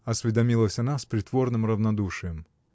— осведомилась она с притворным равнодушием.